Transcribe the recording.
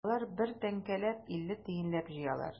Алар бер тәңкәләп, илле тиенләп җыялар.